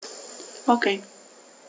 Okay.